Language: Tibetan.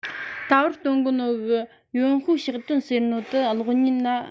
ད བར སྟོན གོ ནོ ཡོན ཧྲོའེ གཤེགས དོན ཟེར གོ ནོ གློག བརྙན ན བལྟས ཨེ མྱོང